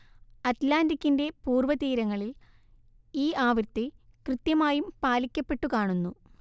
അറ്റ്‌ലാന്റിക്ക്കിന്റെ പൂർവതീരങ്ങളിൽ ഈ ആവൃത്തി കൃത്യമായും പാലിക്കപ്പെട്ടു കാണുന്നു